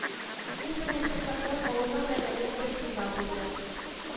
Иң беренче сәхнәм авылның мәдәният йортында булды